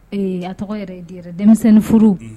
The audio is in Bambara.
Ee a tɔgɔ yɛrɛdi denmisɛnnin furu, unhun.